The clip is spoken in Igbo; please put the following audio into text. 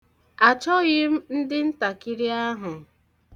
Achọghị m ndị ntakịrị ahụ.